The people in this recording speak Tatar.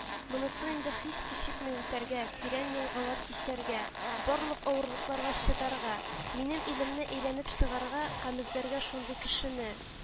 Монысын инде һич кичекми үтәргә, тирән елгалар кичәргә, барлык авырлыкларга чыдарга, минем илемне әйләнеп чыгарга һәм эзләргә шундый кешене